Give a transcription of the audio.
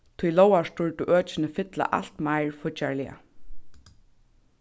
tí lógarstýrdu økini fylla alt meir fíggjarliga